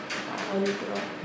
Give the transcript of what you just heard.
a 1 litre o